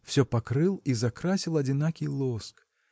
все покрыл и закрасил одинакий лоск.